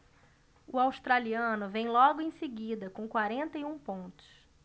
o australiano vem logo em seguida com quarenta e um pontos